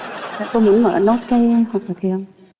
có mở lốt cái hộp kia không